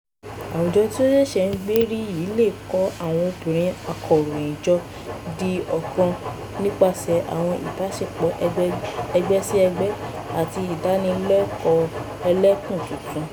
Àwùjọ tí ó ṣẹ̀ṣẹ̀ ń gbérí yìí lè kó àwọn obìnrin akọ̀ròyìn jọ di ọ̀kan nípasẹ̀ àwọn ìbáṣepọ̀ ẹgbẹ́-sí-ẹgbẹ́ àti ìdánilẹ́kọ̀ọ́ ẹlẹ́kùn tuntun.